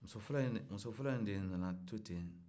muso fɔlɔ in muso fɔlɔ in de nana to ten